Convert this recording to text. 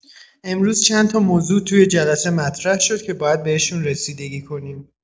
امروز چندتا موضوع توی جلسه مطرح شد که باید بهشون رسیدگی کنیم.